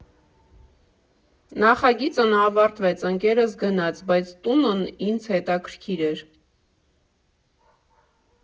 Նախագիծն ավարտվեց, ընկերս գնաց, բայց տունն ինձ հետաքրքիր էր։